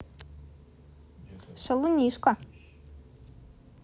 шалунишка